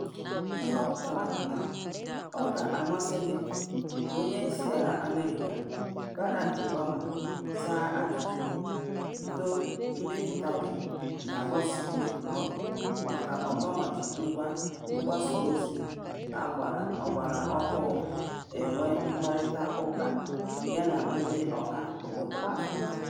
Ihe ọ pụtara bụ, ọ ga-amasị gị ka onyeisiala America, Barack Obama zaa ajụjụ gị?," bido mbipụta gị na Hot Secrets blọọgụ maka Obama iji ngwá mgbasaozi ọgbaraọhụrụ enwe mkparịtaụka ya na ndị ọhaobodo Afrịka.